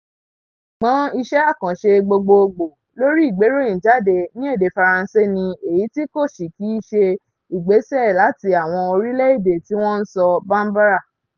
Ṣùgbọ́n iṣẹ́ àkànṣe gbogboogbò lórí ìgbéròyìnjáde ní èdè Faransé ni èyí tí kò sí kìí ṣe ìgbésẹ̀ láti àwọn orílẹ̀-èdè tí wọ́n ń sọ Bambara.